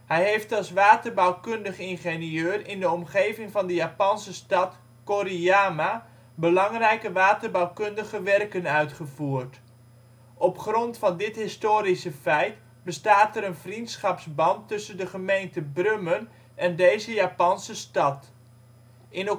heeft als waterbouwkundig ingenieur in de omgeving van de Japanse stad Koriyama belangrijke waterbouwkundige werken uitgevoerd. Op grond van dit historische feit bestaat er een vriendschapsband tussen de gemeente Brummen en deze Japanse stad. In